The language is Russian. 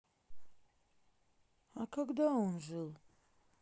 а когда он жил